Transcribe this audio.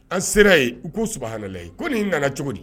An sera yen u ko suhala ye ko nin nanaana cogo di